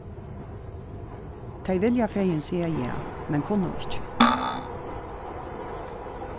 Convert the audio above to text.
tey vilja fegin siga ja men kunnu ikki